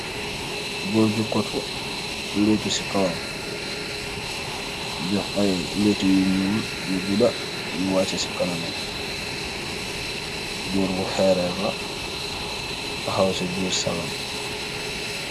góor ju kotu leetu ci kawam dox ay leetu yu ñuul yu guda yu wàcce ci kanaman gór bu xeereer la taxawa ci buir salon